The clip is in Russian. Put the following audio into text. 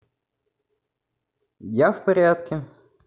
я в порядке